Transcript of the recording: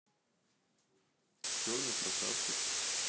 черный красавчик